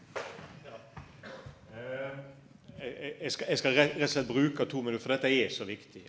eg eg eg skal eg skal rett og slett bruka to minutt for dette er så viktig.